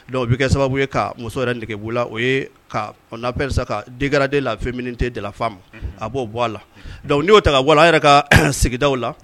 Donc o bɛ kɛ sababu ye ka muso yɛrɛ nege bɔ i la, o ye ka on appelle ça ka muso yɛrɛ dégrader la féminité de la femme unhun, a b'o a la donc ni y'o ta ka bɔ a la, an yɛrɛ ka sigida la